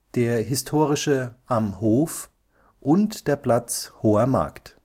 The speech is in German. der historische Am Hof und der Platz Hoher Markt